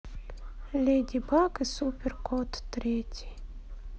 леди баг и супер кот третий